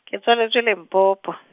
ke tswaletswe Limpompo.